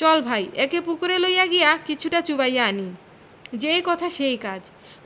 চল ভাই একে পুকুরে লইয়া গিয়া কিছুটা চুবাইয়া আনি যেই কথা সেই কাজ